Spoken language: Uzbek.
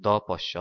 xudo poshsho